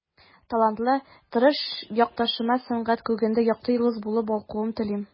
Талантлы, тырыш якташыма сәнгать күгендә якты йолдыз булып балкуын телим.